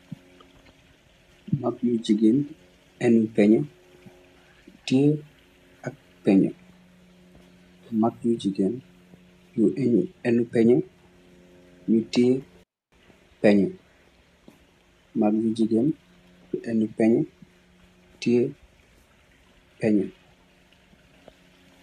Mak bu jigen bu enu penye, tiye penye